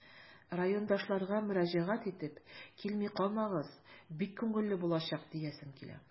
Райондашларга мөрәҗәгать итеп, килми калмагыз, бик күңелле булачак диясем килә.